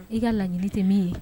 I ka lali tɛ min ye